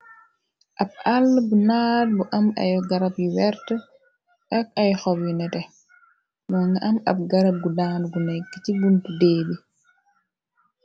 ab àll bu naar bu am ay garab yi wert ak ay xow yu nete moo nga am ab garab gu daan gu nekk ci buntu dee bi